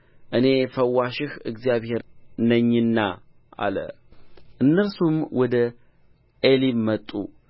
እኔ ፈዋሽህ እግዚአብሔር ነኝና አለ እነርሱም ወደ ኤሊም መጡ